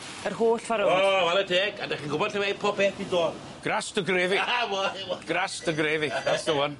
Yr holl ffor rownd. O 'ware teg. A 'dych chi'n gwbod lle mae pob peth 'di dod. Grass to grefi. Grass to grefi. That's the one.